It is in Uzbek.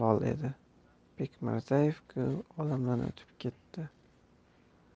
lol edi bekmirzaevku olamdan o'tib ketdi